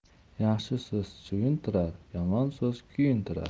yaxshi so'z suyuntirar yomon so'z kuyuntirar